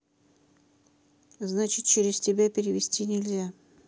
значит через тебя перевести нельзя